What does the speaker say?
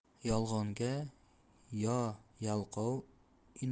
yolg'onga yo yalqov